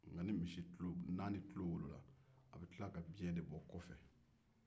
n'a ni tulo wolola a be tila ka biyɛn de bɔ kɔfɛ